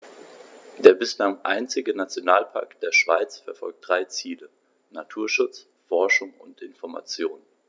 Der bislang einzige Nationalpark der Schweiz verfolgt drei Ziele: Naturschutz, Forschung und Information.